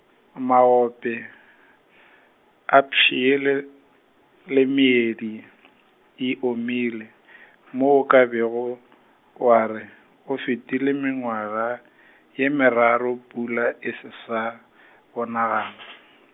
maope, a pšhele, le meedi e omile , mo o ka bego, wa re, go fetile mengwaga ye meraro pula e se sa, bonagala.